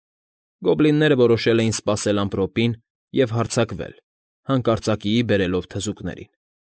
Գոբլինները որոշել էին սպասել ամպրոպին և հարձակվել՝ հանկարծակիի բերելով թզուկներին։